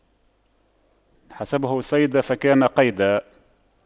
حسبه صيدا فكان قيدا